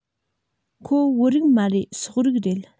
ཁོ བོད རིགས མ རེད སོག རིགས རེད